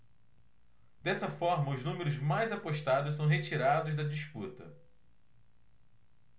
dessa forma os números mais apostados são retirados da disputa